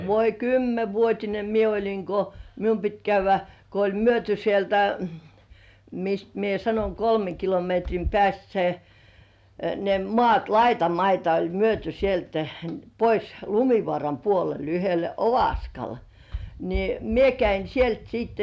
voi kymmenvuotinen minä olin kun minun piti käydä kun oli myyty sieltä mistä minä sanoin kolmen kilometrin päästä se ne maat laitamaita oli myyty sieltä pois Lumivaaran puolelle yhdelle Ovaskalle niin minä kävin sieltä sitten